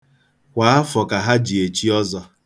Kwa afọ ka ha ji echi ọzọ.